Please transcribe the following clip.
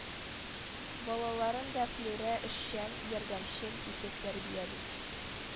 Балаларын да Флүрә эшчән, ярдәмчел итеп тәрбияли